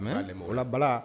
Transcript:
Mais Lemugula Bala